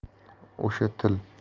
o'sha til